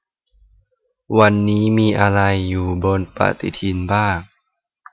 วันนี้มีอะไรอยู่บนปฎิทินบ้าง